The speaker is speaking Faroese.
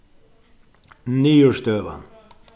niðurstøðan